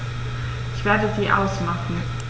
Ich werde sie ausmachen.